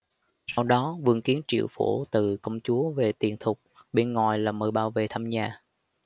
sau đó vương kiến triệu phổ từ công chúa về tiền thục bề ngoài là mời bà về thăm nhà